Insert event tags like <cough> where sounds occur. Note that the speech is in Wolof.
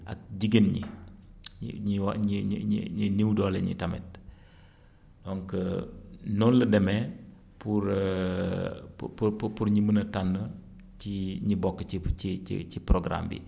ak jigéen ñi <smacks lips> ñi ñi wa ñi ñi ñi ñi néew doole ñi tamit <breath> donc <hesitation> noonu la demee pour <hesitation> pour pour pour ñu mën a tànn ci ñi bokk ci ci ci ci programme bi